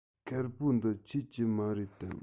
དཀར པོ འདི ཁྱོད ཀྱི མ རེད དམ